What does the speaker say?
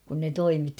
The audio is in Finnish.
kun ne toimitti